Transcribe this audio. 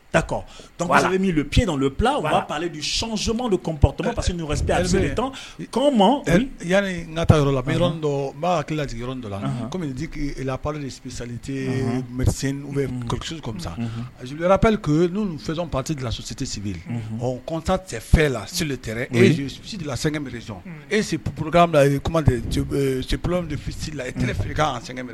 Yma yanani n ka taa yɔrɔ la n b'a hakili la yɔrɔ dɔ la kɔmip sa tesip fɛn pate lasosi tɛsibiri ɔ kɔnta tɛ fɛn la elasɛ esi ppurkan bila kumaporosi e feererikan an sɛgɛnɛrɛ